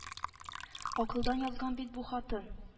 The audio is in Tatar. Акылдан язган бит бу хатын